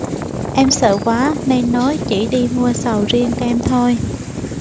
em sợ quá nên nói chỉ đi mua sầu riêng kem thôi